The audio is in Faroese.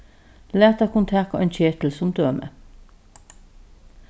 lat okkum taka ein ketil sum dømi